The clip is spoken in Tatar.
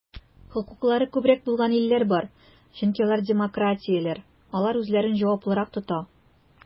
Хокуклары күбрәк булган илләр бар, чөнки алар демократияләр, алар үзләрен җаваплырак тота.